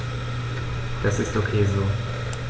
Das ist ok so.